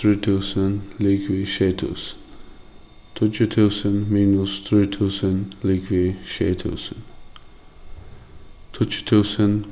trý túsund ligvið sjey túsund tíggju túsund minus trý túsund ligvið sjey túsund tíggju túsund